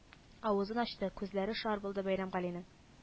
Авызын ачты, күзләре шар булды Бәирәмгалинең